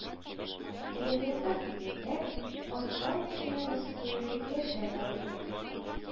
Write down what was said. Әдәбиятка килгәндә, артта үкчәңә басып килерлек яшьләр бар иде